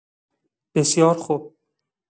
بسیار خب!